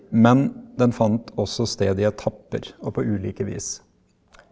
men den fant også sted i etapper og på ulike vis.